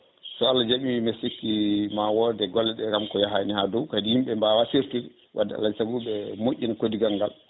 so Allah jaaɓi mbe sikki ma wood e golleɗe kam ko yahani ha dow kadi yimɓeɓe mbawa certude wadde alay saago ɓe moƴƴina koddigal nagl